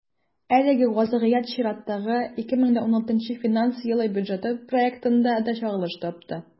Әлеге вазгыять чираттагы, 2016 финанс елы бюджеты проектында да чагылыш тапты.